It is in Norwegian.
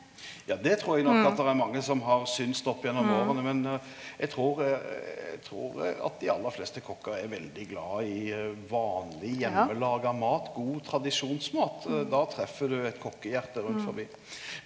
ja det trur eg nok at der er mange som har synst opp gjennom åra, men eg trur eg trur at dei aller fleste kokkar er veldig glad i vanleg, heimelaga mat, god tradisjonsmat, då treffer du eit kokkehjarte rundt forbi.